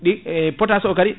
ɗi e potasse o kadi